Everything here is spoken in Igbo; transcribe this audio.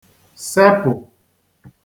sepụ̀